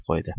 deb qo'ydi